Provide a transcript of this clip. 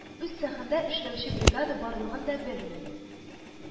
Үз цехында эшләүче бригада барлыгын да белми